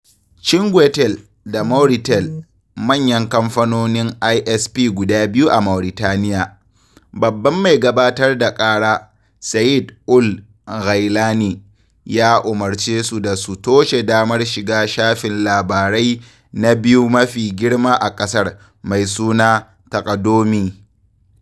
Chinguitel da Mauritel, manyan kamfanonin ISP guda biyu a Mauritania, Babban Mai Gabatar da Ƙara, Seyid Ould Ghaïlani, ya umarce su da su toshe damar shiga shafin labarai na biyu mafi girma a ƙasar, mai suna Taqadoumy.